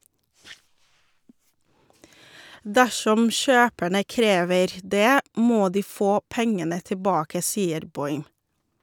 - Dersom kjøperne krever det, må de få pengene tilbake, sier Boym.